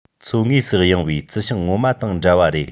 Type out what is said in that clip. མཚོ ངོས སུ གཡེང བའི རྩི ཤིང ངོ མ དང འདྲ བ རེད